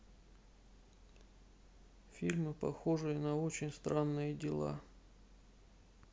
фильмы похожие на очень странные дела